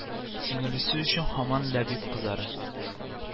Сеңелесе өчен һаман Ләбип кызара